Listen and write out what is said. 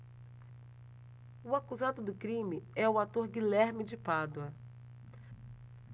o acusado do crime é o ator guilherme de pádua